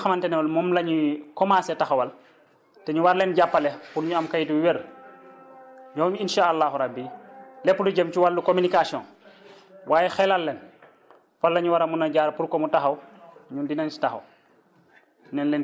te li nga xamante ne moom la ñuy commencé taxawal te ñu war leen jàppale pour ñu am këyit yu wér ñooñu incha allahu rabi lépp lu jëm ci wàllug communication waaye xelal leen fan la ñu mën a jaar pour qu mu taxaw ñun dinañ si taxaw